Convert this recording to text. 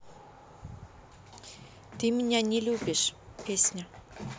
ты меня не любишь песня